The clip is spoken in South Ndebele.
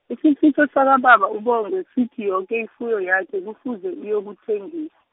isifiso sakababa uBongwe sithi yoke ifuyo yakhe kufuze iyokuthengisw-.